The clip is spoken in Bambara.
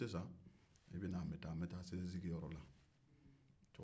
a ko i bɛ na an bɛ taa n bɛ taa se n sigiyɔrɔ la